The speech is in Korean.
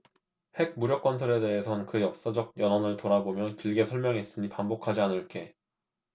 핵무력건설에 대해선 그 역사적 연원을 돌아보며 길게 설명했으니 반복하지 않을게